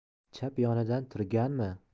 chap yonidan turganmi